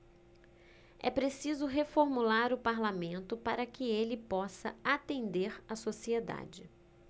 é preciso reformular o parlamento para que ele possa atender a sociedade